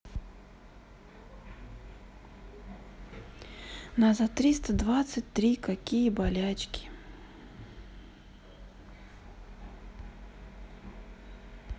на за триста двадцать три какие болячки